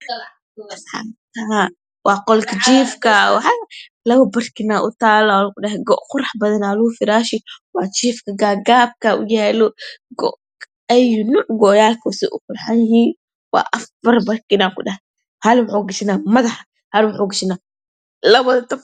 Asxaabta waa qolka jiifka labo barkinaa taalo oo qurax badan lagu firaasshigaagaabka go ayuu nooc goyaalka see uqurxan yihiin waa afbarbar inaa kudhahi Hal waxa uu gashanaa madaxa Hal waxa uugashanaa labada taf